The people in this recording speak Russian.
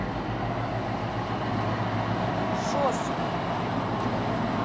жосу